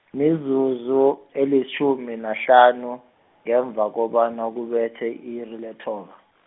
mizuzu elitjhumi nahlanu, ngemva kobana kubethe i-iri lethoba.